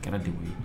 ka na debrouiller